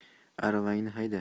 aravangni hayda